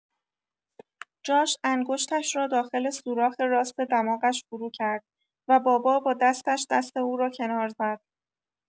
جاش انگشتش را داخل سوراخ راست دماغش فروکرد و بابا با دستش دست او را کنار زد.